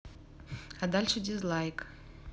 а дальше дизлайк